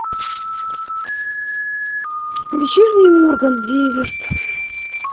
вечерний ургант зиверт